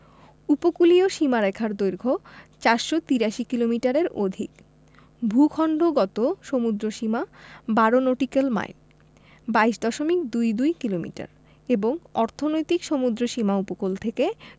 উপকূলীয় সীমারেখার দৈর্ঘ্য ৪৮৩ কিলোমিটারের অধিক ভূখন্ডগত সমুদ্রসীমা ১২ নটিক্যাল মাইল ২২ দশমিক দুই দুই কিলোমিটার এবং অর্থনৈতিক সমুদ্রসীমা উপকূল থেকে